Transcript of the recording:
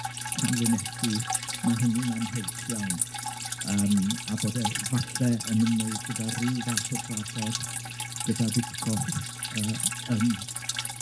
tanlinellu ma' hynny'n amheus iawn yym a bod e falle yn ymwneud gyda ryw fath o drafod gyda Witkoff yy yn